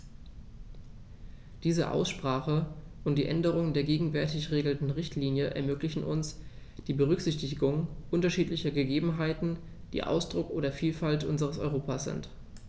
Diese Aussprache und die Änderung der gegenwärtig geltenden Richtlinie ermöglichen uns die Berücksichtigung unterschiedlicher Gegebenheiten, die Ausdruck der Vielfalt unseres Europas sind.